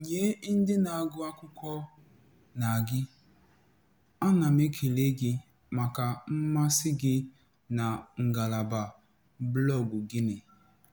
Nye ndị na-agụ akwụkwọ na gị, ana m ekele gị maka mmasị gị na ngaalaba blọọgụ Guinea.